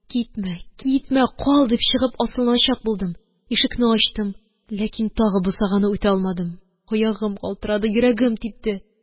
«китмә, китмә, кал», – дип чыгып асылыначак булдым. ишекне ачтым. ләкин тагы бусаганы үтә алмадым. аягым калтырады, йөрәгем типте.